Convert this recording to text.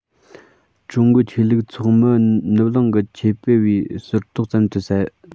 ཀྲུང གོའི ཆོས ལུགས ཚོགས མི ནུབ གླིང གི ཆོས སྤེལ བའི ཟུར གཏོགས ཙམ དུ ཟད